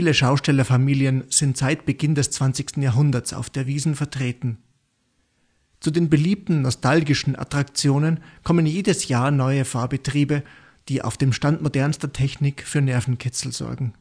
Schaustellerfamilien sind seit Beginn des 20. Jahrhunderts auf der Wiesn vertreten. Zu den beliebten, nostalgischen Attraktionen kommen jedes Jahr neue Fahrbetriebe, die auf dem Stand modernster Technik für Nervenkitzel sorgen